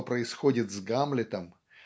что происходит с Гамлетом